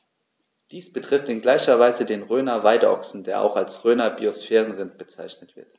Dies betrifft in gleicher Weise den Rhöner Weideochsen, der auch als Rhöner Biosphärenrind bezeichnet wird.